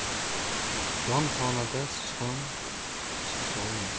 donxonada sichqon chiqisholmas